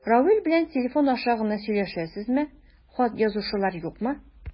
Равил белән телефон аша гына сөйләшәсезме, хат язышулар юкмы?